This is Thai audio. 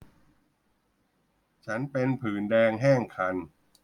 ฉันเป็นผื่นแดงแห้งคัน